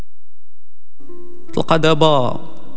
فقد باء